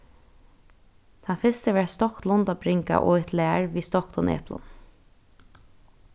tann fyrsti var stokt lundabringa og eitt lær við stoktum eplum